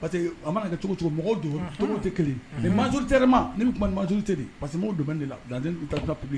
Parce que a mana kɛ cogo o cogo mɔgɔw tɛ kelen ye mais majoritairement ne bɛ kuma ni majorité de ye parce que n b’o domaine de la dans un établissement public